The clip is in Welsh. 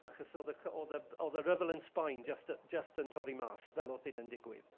achos oedd y ch- oedd y oedd y ryfel yn Sbaen jyst jyst yn torri mas, fel oedd hyn yn digwydd.